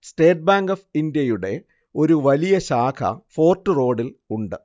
state Bank of ഇന്ത്യയുടെ ഒരു വലിയ ശാഖ ഫോര്‍ട്ട് റോഡില്‍ ഉണ്ട്